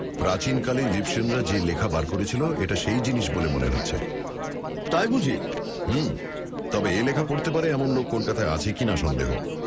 প্রাচীনকালে ইজিপসিয়ানরা যে লেখা বার করেছিল এটা সেই জিনিস বলে মনে হচ্ছে তাই বুঝি হুঁ তবে এ লেখা পড়তে পারে এমন লোক কলকাতায় আছে কি না সন্দেহ